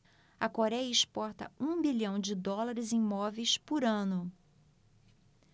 a coréia exporta um bilhão de dólares em móveis por ano